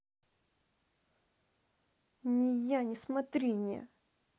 не я не смотри не